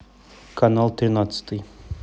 канал тринадцатый